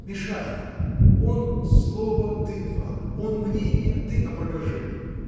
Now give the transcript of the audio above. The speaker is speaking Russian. Мешай ему: он слово, ты два, он мнение, ты опровержение.